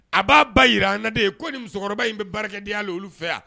A b'a ba jira a naden ko nin musokɔrɔba in bɛ baarakɛ di' la olu fɛ yan